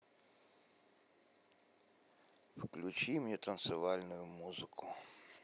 включи мне танцевальную музыку